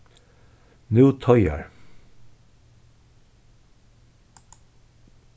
nú toyar